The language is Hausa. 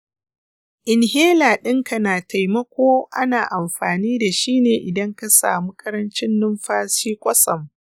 inhaler ɗinka na taimako ana amfani da shi ne idan ka samu ƙarancin numfashi kwatsam.